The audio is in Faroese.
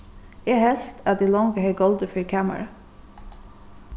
eg helt at eg longu hevði goldið fyri kamarið